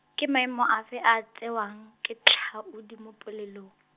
ke maemo afe a a tsewang, ke tlhaodi mo polelong ?